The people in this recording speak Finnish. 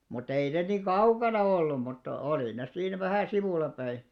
mutta ei ne niin kaukana ollut mutta oli ne siinä vähän sivullapäin